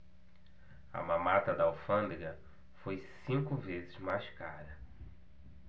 a mamata da alfândega foi cinco vezes mais cara